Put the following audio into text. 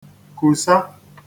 kùsa